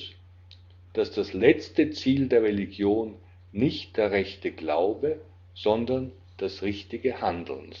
letzte Ziel der Religion nicht der rechte Glaube, sondern das richtige Handeln